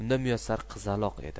unda muyassar qizaloq edi